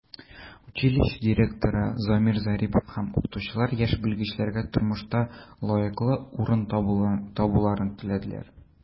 Училище директоры Замир Зарипов һәм укытучылар яшь белгечләргә тормышта лаеклы урын табуларын теләделәр.